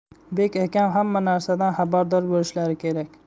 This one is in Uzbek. bek akam hamma narsadan xabardor bo'lishlari kerak